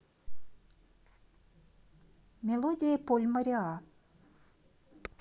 мелодии поль мариа